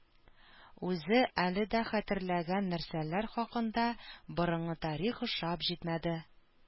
Үзе әле дә хәтерләгән нәрсәләр хакында борынгы тарих ошап җитмәде